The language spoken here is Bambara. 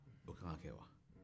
o ka kan ka kɛ wa